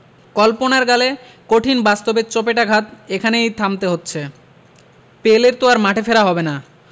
কল্পনার গালে কঠিন বাস্তবের চপেটাঘাত এখানেই থামতে হচ্ছে পেলের তো আর মাঠে ফেরা হবে না